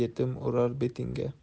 yetim urar betingga